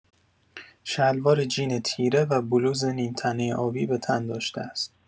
شلوار جین تیره و بلوز نیم‌تنه آبی به تن داشته است.